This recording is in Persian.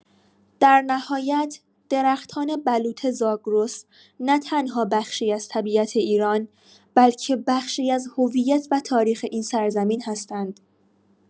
در نهایت، درختان بلوط زاگرس نه‌تنها بخشی از طبیعت ایران، بلکه بخشی از هویت و تاریخ این سرزمین هستند.